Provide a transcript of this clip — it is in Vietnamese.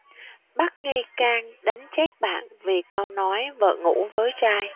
bắt nghi can đánh chết bạn vì câu nói vợ ngủ với trai